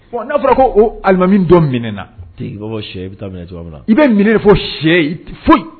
Bon n'a fɔra ko Alimami dɔ minɛnna, i ba fɔ siyɛ bɛ ta minɛ cogoya min na, i bɛ minɛ ko siyɛ, fosi